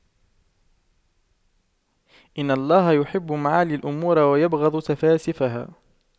إن الله يحب معالي الأمور ويبغض سفاسفها